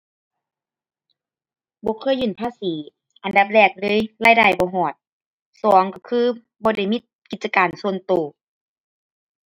บ่เคยยื่นภาษี อันดับแรกเลยรายได้บ่ฮอด สองก็คือบ่ได้มีกิจการส่วนก็